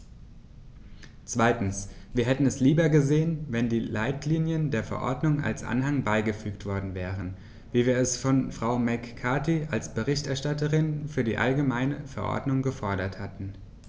Zweitens: Wir hätten es lieber gesehen, wenn die Leitlinien der Verordnung als Anhang beigefügt worden wären, wie wir es von Frau McCarthy als Berichterstatterin für die allgemeine Verordnung gefordert hatten.